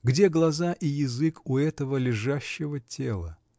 Где глаза и язык у этого лежащего тела?